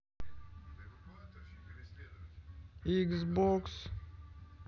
икс бокс